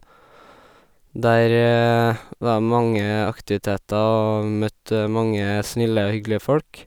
Der var det mange aktiviteter og møtte mange snille og hyggelige folk.